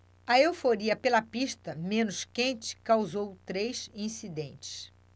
a euforia pela pista menos quente causou três incidentes